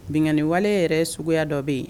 Binkaniwale yɛrɛ sugu ya dɔ bɛ ye